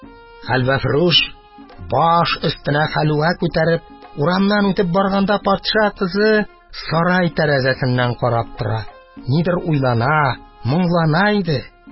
Хәлвәфрүш баш өстенә хәлвә күтәреп урамнан үтеп барганда, патша кызы сарай тәрәзәсеннән карап тора, нидер уйлана, моңлана иде.